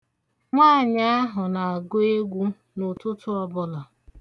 Nwaanyị ahụ na-agụ egwu n'ụtụtụ ọbụla.